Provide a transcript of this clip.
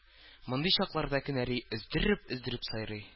Мондый чакларда кенәри өздереп-өздереп сайрый